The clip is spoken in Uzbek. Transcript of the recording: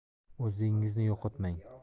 o'zligingizni yo'qotmang